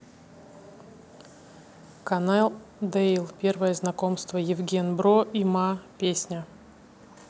канал дэйл первое знакомство евген бро и ма песня